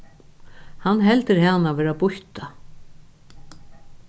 hann heldur hana vera býtta